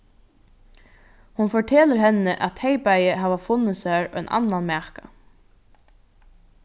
hon fortelur henni at tey bæði hava funnið sær ein annan maka